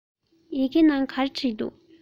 ཡི གེའི ནང ག རེ བྲིས འདུག